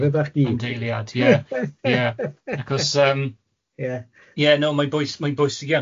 Yn deiliad ie ie ie achos yym ie ie no mae'n bwysig mae'n bwysig iawn.